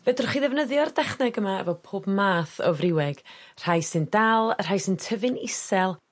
Fedrwch chi ddefnyddio'r dechneg yma efo pob math o Friweg rhai sy'n dal a rhai sy'n tyfu'n isel,